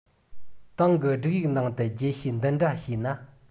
ཏང གི སྒྲིག ཡིག ནང དུ རྒྱས བཤད འདི འདྲ བྱས ན